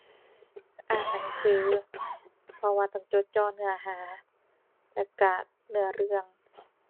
อ่านหนังสือ เพราะว่าต้องจดจ่อเนื้อหา แล้วก็เนื้อเรื่อง